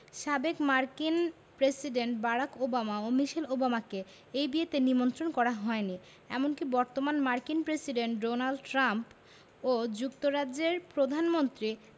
সাবেক মার্কিন president Barack Obama ও মিশেল ওবামাকে এই বিয়েতে নিমন্ত্রণ করা হয়নি এমনকি বর্তমান মার্কিন প্রেসিডেন্ট ডোনাল্ড ট্রাম্প ও যুক্তরাজ্যের প্রধানমন্ত্রী